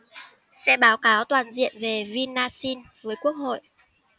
sẽ báo cáo toàn diện về vinashin với quốc hội